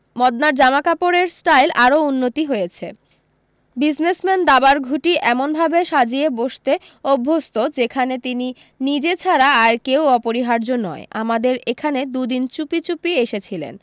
মদনার জামা কাপড়ের স্টাইল আরও উন্নতি হয়েছে বিজনেসম্যান দাবার ঘুঁটি এমনভাবে সাজিয়ে বসতে অভ্যস্ত যেখানে তিনি নিজে ছাড়া আর কেউ অপরিহার্য্য নয় আমাদের এখানে দুদিন চুপি চুপি এসেছিলেন